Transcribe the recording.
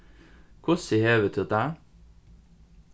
hvussu hevur tú tað